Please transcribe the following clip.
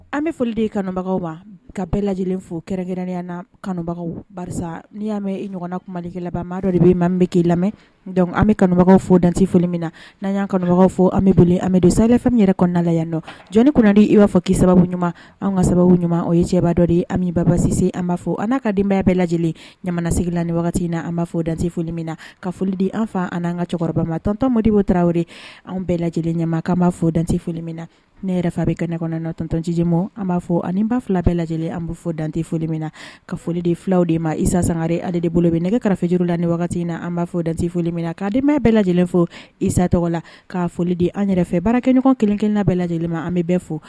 An bɛ foli de kanubagaw ma ka bɛɛ lajɛlen fo kɛkɛrɛnnenya na kanubagaw n'i y'a mɛn ɲɔgɔnna kumakɛlama dɔ de bɛ an bɛ k' i lamɛnc an bɛ kanubagaw fɔ dante foli min na n'an y'an kanubagaw fɔ an bɛ boli an bɛ don sɛgɛfɛn min yɛrɛ kɔnɔnada la yan nɔ jɔnni kunnadi i b'a fɔ ki sababu ɲuman an ka sababu ɲuman o ye cɛba dɔ de ye amibasise an b'a fɔ an'a ka denbaya bɛɛ lajɛ lajɛlen ɲamanasigi la ni wagati in na an b' fɔ dan foli min na ka foli di an fa an an ka cɛkɔrɔba ma tɔntɔnmodenbo tarawele an bɛɛ lajɛlen ɲɛ' an b' fɔ dante foli min na ne yɛrɛ fa bɛ ka ne kɔnɔn natɔnciji ma an b'a fɔ ani ba fila bɛɛ lajɛ lajɛlen an bɛ fɔ dante foli min na ka foli de filaw de ma isa sangare ale de bolo bɛ nɛgɛge karafejuru la ni wagati in na an b'a fɔ dante foli min na k ka di bɛɛ lajɛlen fo isa tɔgɔ la kaa foli di an yɛrɛfɛ baara kɛɲɔgɔn kelen-kelen bɛɛ lajɛlen ma an bɛ bɛɛ fo